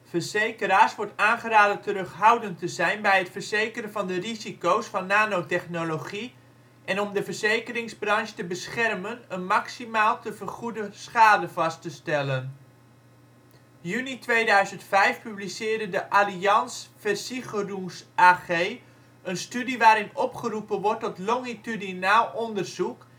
Verzekeraars wordt aangeraden terughoudend te zijn bij het verzekeren van de risico 's van nanotechnologie en om de verzekeringsbranche te beschermen een maximaal te vergoeden schade vast te stellen. Juni 2005 publiceerde de Allianz Versicherungs-AG een studie waarin opgeroepen wordt tot longitudinaal onderzoek